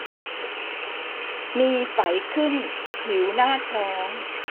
มีไฝขึ้นผิวหน้าท้อง